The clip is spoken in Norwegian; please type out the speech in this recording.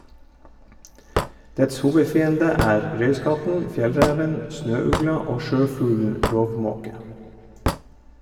Dets hovedfiende er røyskatten, fjellreven, snøugla og sjøfuglen rovmåke.